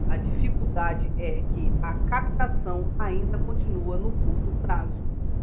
a dificuldade é que a captação ainda continua no curto prazo